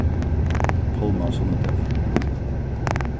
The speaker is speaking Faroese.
pálmasunnudagur